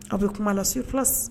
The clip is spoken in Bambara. A be kuma la surplace